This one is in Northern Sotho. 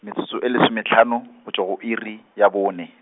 metsotso e lesomehlano, go tšwa go iri, ya bonne.